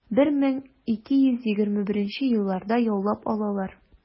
1221 елларда яулап алалар.